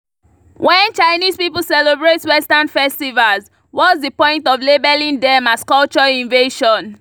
When Chinese people celebrate Western festivals, what's the point of labeling them as culture invasion?